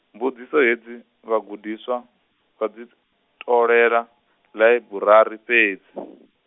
mbudziso hedzi, vhagudiswa, vha dzi, ṱolela, ḽaiburari fhedzi .